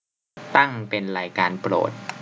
ตั้งเป็นรายการโปรด